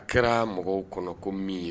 A kɛra mɔgɔw kɔnɔ ko min ye